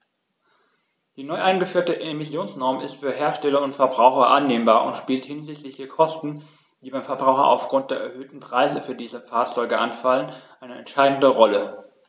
Die neu eingeführte Emissionsnorm ist für Hersteller und Verbraucher annehmbar und spielt hinsichtlich der Kosten, die beim Verbraucher aufgrund der erhöhten Preise für diese Fahrzeuge anfallen, eine entscheidende Rolle.